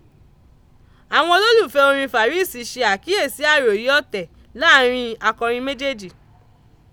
Àwọn olólùfẹ́ẹ orin Fàríìsì ṣe àkíyèsí àròyé ọ̀tẹ̀ láàárín in akọrin méjèèjì.